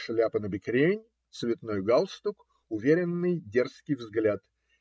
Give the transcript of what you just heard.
Шляпа набекрень, цветной галстук, уверенный, дерзкий взгляд.